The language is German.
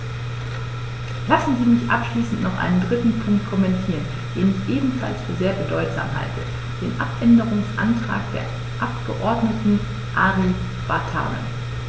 Lassen Sie mich abschließend noch einen dritten Punkt kommentieren, den ich ebenfalls für sehr bedeutsam halte: den Abänderungsantrag des Abgeordneten Ari Vatanen.